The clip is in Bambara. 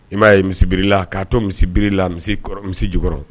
I m'a ye misibri la k'a to misibri la misi misi jukɔrɔ